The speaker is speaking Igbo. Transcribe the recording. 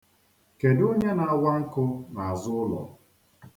Kedu onye na-awa nkụ n'azụ ụlọ?